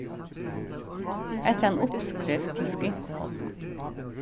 hetta er ein uppskrift til skinkuhorn